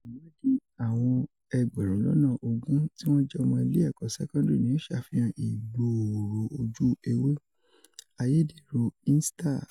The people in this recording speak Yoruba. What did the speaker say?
Ìwádìí àwọn 20,000 tí wọ́n jẹ́ ọmọ ilé ẹ̀kọ́ sẹ́kọ́ńdírì ni ó ṣàfihàn ìgbòòrò ojú ewé ‘’ayédèrú insta’’